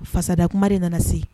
Fasada kuma de nana se